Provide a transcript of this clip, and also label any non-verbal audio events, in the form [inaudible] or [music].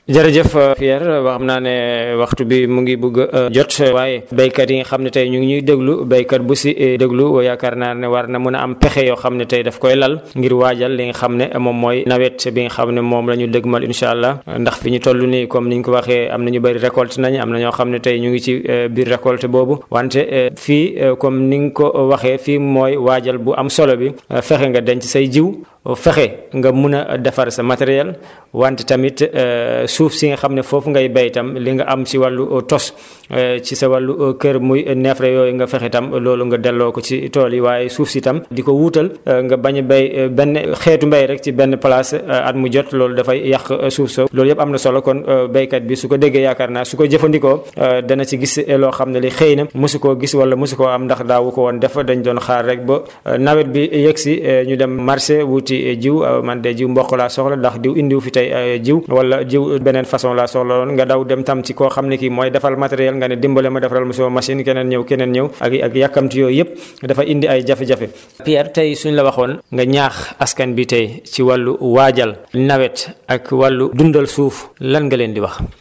jërëjëf Pierre waa xam naa ne [hesitation] waxtu bi mu ngi bugg a jot [hesitation] waaye béykat yi nga xam ne tey ñu ngi ñuy déglu béykat bu si déglu yaakaar naa ne war na mun a am pexe yoo xam ne tey daf koy lal ngir waajal li nga xam ne moom mooy nawet bi nga xam ne moom la ñu dëgmal incha allah ndax fi ñu toll nii comme ni nga ko waxee am na ñu bëri récolté nañu am na ñoo xam ne tey ñu ngi ci [hesitation] biir récolte boobu wante fii comme ni nga ko waxee fii mooy waajal bu am solo bi fexe nga denc say jiw fexe nga mun a defar sa matériel [breath] wante tamit [hesitation] suuf si nga xam ne foofu ngay béy tam li nga am si wàllu tos [hesitation] ci sa wàllu kër muy neefere yooyu nga fexe tam loolu nga delloo ko ci tool yi waaye suuf si tam di ko wuutal nga bañ a béy [hesitation] benn xeetu mbéy rek si benn place [hesitation] at mu jot loolu dafay yàq suuf sa loolu yëpp am na solo kon [hesitation] béykat bi su ko déggee yaakaar naa su koy jëfandikoo [hesitation] dana si gis loo xam ne li xëy na mosu koo gis wala mosu koo am ndax daawu ko woon def daénu doon xaar rek ba nawet bi yeksi [hesitation] ñu dem marché wuti jiw [hesitation] man di jiw mboq laa soxla ndax diw indi wu fi tey ay jiw wala jiw beneen façon laa soxla woon nga daw dem tam ci koo xam ne kii mooy defar matériel nga ne dimbale ma defaral ma sama machine yi keneen ñëw keneen ñëw ak ak yàkkamti yooyu yëpp [breath] dafay indi ay jafe-jafe Pierre tey su ñu la waxoon nga ñaax askan bi tey ci wàllu waajal nawet ak wàllu dundal suuf lan nga leen di wax